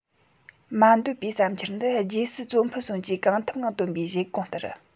མ འདོད པའི བསམ འཆར འདི རྗེ སི ཙོམ ཕུ སོན གྱིས གང ཐུབ ངང བཏོན པའི བཞེད དགོངས ལྟར